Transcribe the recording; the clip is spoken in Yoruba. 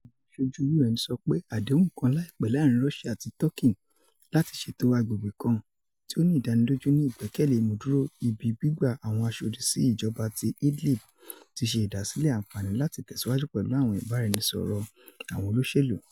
Awọn aṣoju UN sọ pe adehun kan laipe laarin Ruṣia ati Tọki lati ṣeto agbegbe kan ti o ni idaniloju ni igbẹkẹle imuduro ibi gbigba awọn aṣodisi ijọba ti Idlib ti ṣe ìdásílẹ̀ anfani lati tẹsiwaju pẹlu awọn ibara-ẹni-sọrọ awọn oloṣelu.